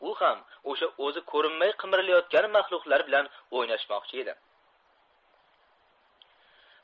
u ham o'sha o'zi ko'rinmay qimirlayotgan mahluqlar bilan o'ynashmoqchi edi